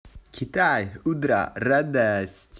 китай утро и радость